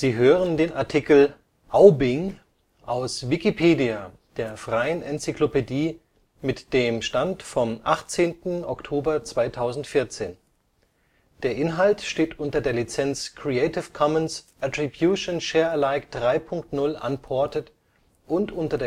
hören den Artikel Aubing, aus Wikipedia, der freien Enzyklopädie. Mit dem Stand vom Der Inhalt steht unter der Lizenz Creative Commons Attribution Share Alike 3 Punkt 0 Unported und unter